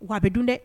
Wa a bɛ dun dɛ